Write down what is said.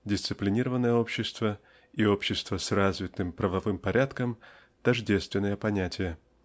дисциплинированное общество и общество с развитым правовым порядком -- тождественные понятия.